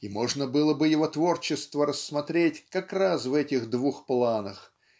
И можно было бы его творчество рассмотреть как раз в этих двух планах